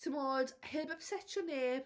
Timod, heb ypsetio neb.